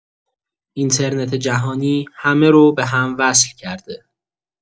اینترنت جهانی همه رو به هم وصل کرده.